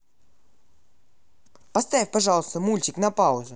поставь пожалуйста мультик на паузу